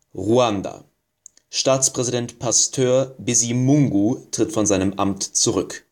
Ruanda: Staatspräsident Pasteur Bizimungu tritt von seinem Amt zurück